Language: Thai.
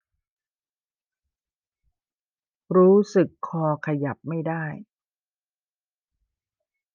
รู้สึกคอขยับไม่ได้